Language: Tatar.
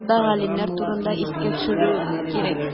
Монда галимнәр турында искә төшерү кирәк.